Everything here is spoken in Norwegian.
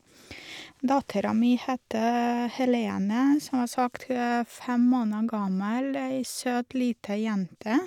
Dattera mi heter Helene, som sagt, hun er fem måneder gammel, ei søt lita jente.